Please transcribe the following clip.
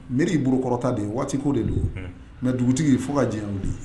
Mairie ye bolo kɔrɔta de ye waati ko de don . Mais dugutigi fo ka diɲɛ wuli.